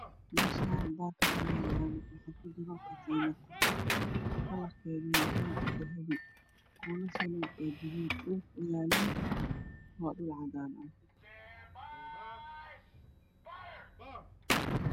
Meeshaan baakad ayaa yaalo waxaa kujiro katiinad kalarkeedu waa dahabi kuulasheedu waa dahabi. Dhulka uu yaalo waa cadaan.